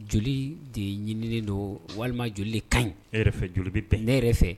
Joli de ɲinini don walima joli de kaɲi ? E yɛrɛ fɛ joli bɛ bɛn ne yɛrɛ fɛ